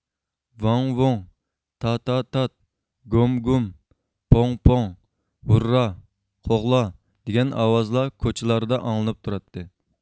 ۋاڭ ۋۇڭ تا تا تات گوم گۇم پوڭ پوڭ ھۇررا قوغلا دىگەن ئاۋازلار كوچىلاردا ئاڭلىنىپ تۇراتتى